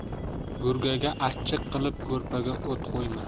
burgaga achchiq qilib ko'rpaga o't qo'yma